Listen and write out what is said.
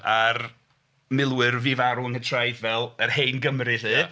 A'r milwyr fu farw yn Nghatraeth fel yr hen Gymry 'lly... ia.